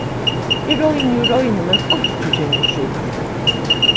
eg royni og royni men einki kemur burturúr